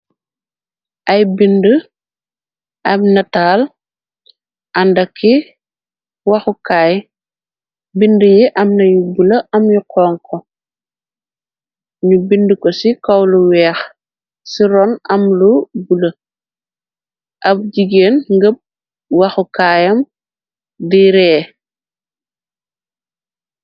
Ay bind nduh ak nataal àndaki waxukaay . Bind ndu yi amna yu bula, am yu xonxo. Nu bind ko ci kaw lu weex, ci ron am lu bula, ap jigéen ngëb waxukaayam di ree.